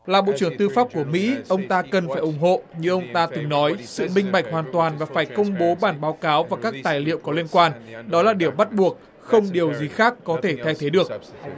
là bộ trưởng tư pháp của mỹ ông ta cần phải ủng hộ như ông ta từng nói sự minh bạch hoàn toàn và phải công bố bản báo cáo và các tài liệu có liên quan đó là điều bắt buộc không điều gì khác có thể thay thế được